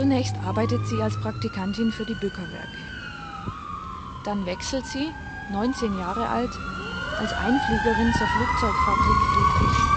Erst arbeitet sie als Praktikantin für die Bücker-Werke, dann wechselt sie, 19 Jahre alt, als Einfliegerin zur Flugzeugfabrik Friedrich